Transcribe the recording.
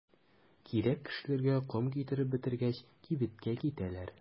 Кирәк кешеләргә ком китереп бетергәч, кибеткә китәләр.